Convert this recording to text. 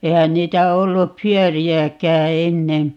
eihän niitä ollut pyöriäkään ennen